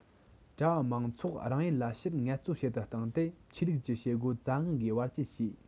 གྲྭ བ མང ཚོགས རང ཡུལ ལ ཕྱིར ངལ རྩོལ བྱེད དུ བཏང སྟེ ཆོས ལུགས ཀྱི བྱེད སྒོ བཙན དབང གིས བར བཅད བྱས